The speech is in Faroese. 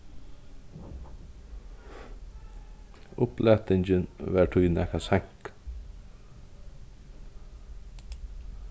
upplatingin varð tí nakað seinkað